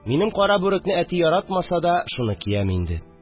Минем кара бүрекне әти яратмаса да, шуны киям инде